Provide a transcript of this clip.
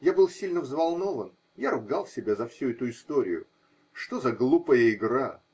Я был сильно взволнован, я ругал себя за всю эту историю. Что за глупая игра?